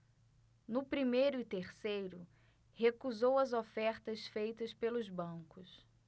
no primeiro e terceiro recusou as ofertas feitas pelos bancos